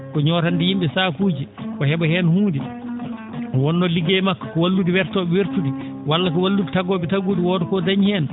ko ñootande yim?e saakuuji o he?a heen huunde wonnoo liggey makko ko wallude wertoo?e wertude walla ko wallude taggoo?e taggude wooda ko o dañi heen